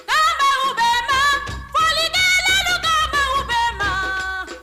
Faama' bɛ fɛ wa tɛtigɛ tɛ' bɛ ba